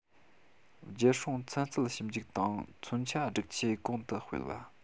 རྒྱལ སྲུང ཚན རྩལ ཞིབ འཇུག དང མཚོན ཆ སྒྲིག ཆས གོང དུ སྤེལ བ